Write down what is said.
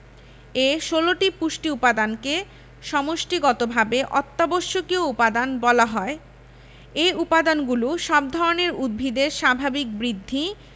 এ ১৬টি পুষ্টি উপাদানকে সমষ্টিগতভাবে অত্যাবশ্যকীয় উপাদান বলা হয় এই উপাদানগুলো সব ধরনের উদ্ভিদের স্বাভাবিক বৃদ্ধি